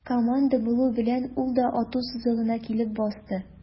Команда булу белән, ул да ату сызыгына килеп басты.